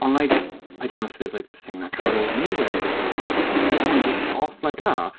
Ond, like, I don't know if there's like this thing that comes over me where I just go really tired and I'm just off like 'at.